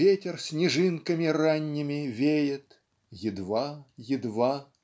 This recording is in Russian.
Ветер снежинками ранними веет Едва, едва